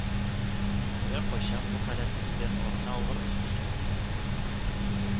Берәр кайчан бу халәтебездән арына алырбызмы икән